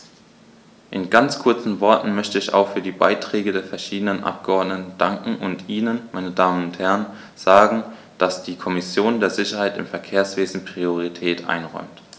In ganz kurzen Worten möchte ich auch für die Beiträge der verschiedenen Abgeordneten danken und Ihnen, meine Damen und Herren, sagen, dass die Kommission der Sicherheit im Verkehrswesen Priorität einräumt.